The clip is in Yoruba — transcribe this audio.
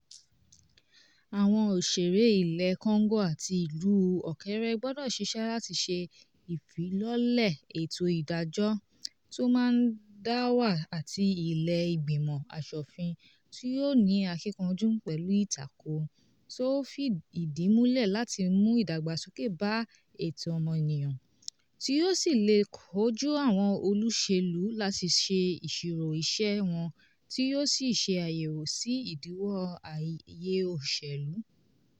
Àwọn ọ̀ṣèré ilẹ̀ Congo àti ìlú òkèèrè gbọ́dọ̀ ṣiṣẹ́ láti ṣe ìfilọ́lẹ̀ ètò ìdájọ́ tí ó máa dá wà àti ilé ìgbìmọ̀ aṣòfin tí yóò ní akíkanjú pẹ̀lú ìtakò tí ó fi ìdí múlẹ̀ láti mú ìdàgbàsókè bá ẹ̀tọ́ ọmọnìyàn, tí yóò sì lè kojú àwọn olùṣèlú láti ṣe ìṣirò iṣẹ́ wọn tí yóò sì ṣe àyẹ̀wò sí ìdíwọ́ ààyè òṣèlú.